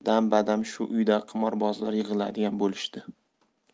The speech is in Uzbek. dam badam shu uyda qimorbozlar yig'iladigan bo'lishdi